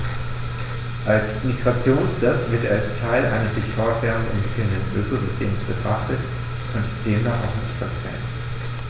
Als Migrationsgast wird er als Teil eines sich fortwährend entwickelnden Ökosystems betrachtet und demnach auch nicht vergrämt.